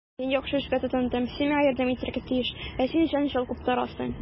Мин яхшы эшкә тотындым, син миңа ярдәм итәргә тиеш, ә син җәнҗал куптарасың.